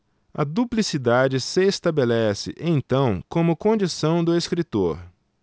a duplicidade se estabelece então como condição do escritor